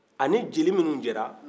ani jeli minnu jɛra